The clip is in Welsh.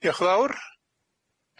Diolch y' fawr.